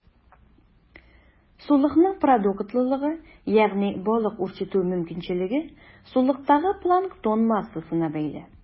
Сулыкның продуктлылыгы, ягъни балык үрчетү мөмкинчелеге, сулыктагы планктон массасына бәйле.